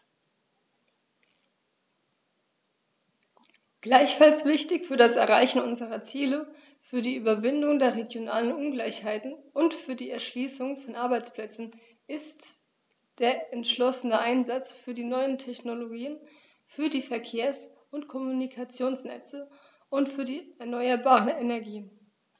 Gleichfalls wichtig für das Erreichen unserer Ziele, für die Überwindung der regionalen Ungleichheiten und für die Erschließung von Arbeitsplätzen ist der entschlossene Einsatz für die neuen Technologien, für die Verkehrs- und Kommunikationsnetze und für die erneuerbaren Energien.